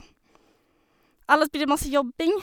Ellers blir det masse jobbing.